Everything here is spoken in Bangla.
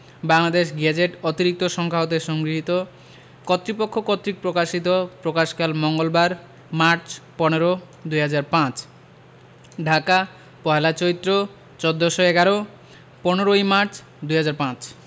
বাংলাদেশ গেজেট অতিরিক্ত সংখ্যা হতে সংগৃহীত কতৃপক্ষ কর্তৃক প্রকাশিত প্রকাশকালঃ মঙ্গলবার মার্চ ১৫ ২০০৫ ঢাকা পয়লা চৈত্র ১৪১১ ১৫ই মার্চ ২০০৫